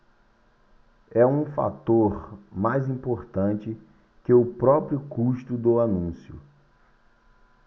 é um fator mais importante que o próprio custo do anúncio